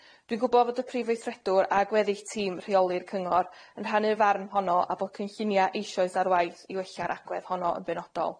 Dwi'n gwbod fod y Prif Weithredwr a gweddill tîm rheoli'r cyngor yn rhannu'r farn honno a bod cynllunia eisoes ar waith i wella'r agwedd honno yn benodol.